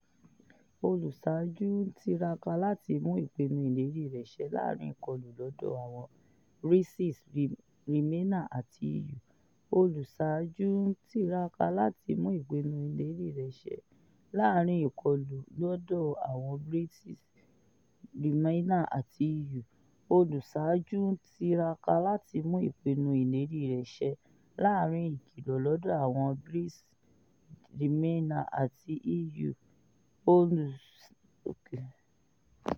Oluṣaju n tiraka lati mu ipinnu ileri rẹ ṣẹ laarin ikọlu lọdọ awọn Brexit, Remainer ati EU.